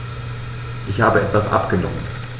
Ich habe etwas abgenommen.